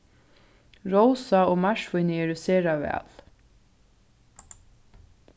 rósa og marsvínið eru sera væl